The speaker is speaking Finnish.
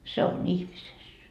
se on ihmisessä